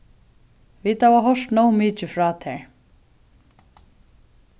vit hava hoyrt nóg mikið frá tær